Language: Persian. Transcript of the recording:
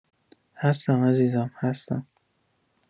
هستم عزیز هستم